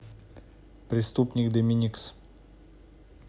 преступник доминикс